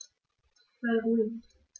Sei ruhig.